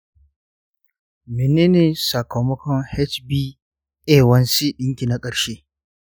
mene ne samakon hba1c ɗinki na ƙarshe?